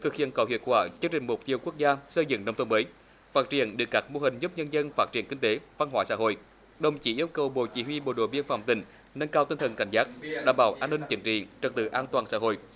thực hiện có hiệu quả chương trình mục tiêu quốc gia xây dựng nông thôn mới phát triển để các mô hình giúp nhân dân phát triển kinh tế văn hóa xã hội đồng chí yêu cầu bộ chỉ huy bộ đội biên phòng tỉnh nâng cao tinh thần cảnh giác đảm bảo an ninh chính trị trật tự an toàn xã hội